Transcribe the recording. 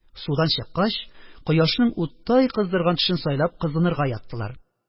Судан чыккач, кояшның уттай кыздырган төшен сайлап, кызынырга яттылар.